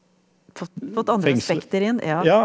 fått fått andre aspekter inn ja.